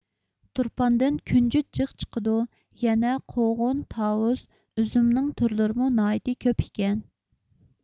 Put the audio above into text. تۇرپاندىن كۈنجۈت جىق چىقىدۇ يەنە قوغۇن تاۋۇز ئۈزۈمنىڭ تۈرلىرىمۇ ناھايىتى كۆپ ئىكەن